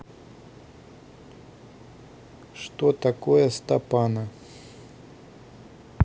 что такое стапана